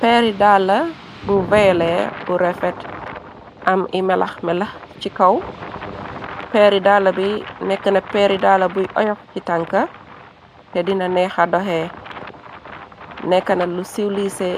Peeri daala bu vele bu refet am ay melexmelex ci kaw, peeri dalla bi neka na peeri dalla buy oyof si tanka, te dina neexa doxe, neka na lu siiw liise